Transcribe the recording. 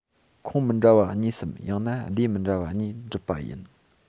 ཁོངས མི འདྲ བ གཉིས སམ ཡང ན སྡེ མི འདྲ བ གཉིས འགྲུབ པ ཡིན